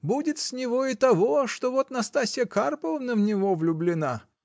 Будет с него и того, что вот Настасья Карповна в него влюблена.